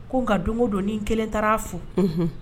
Ko n nka don don ni kelen taara' fo